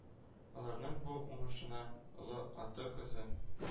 Аларның бу уңышына Олы Аты кызы